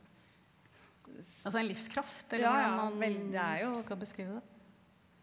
altså en livskraft eller hva man skal beskrive det.